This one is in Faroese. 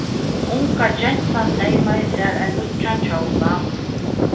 unga gentan seymaði sær ein nýggjan kjóla